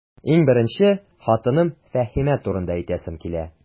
Иң беренче, хатыным Фәһимә турында әйтәсем килә.